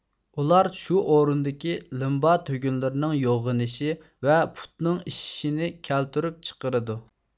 ئۇلار شۇ ئورۇندىكى لىمبا تۈگۈنلىرىنىڭ يوغىنىشى ۋە پۇتنىڭ ئىششىشىنى كەلتۈرۈپ چىقىرىدۇ